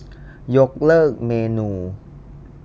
ยกเลิกเมนู